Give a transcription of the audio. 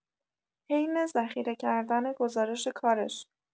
حین ذخیره کردن گزارش کارش